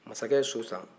masakɛ ye so san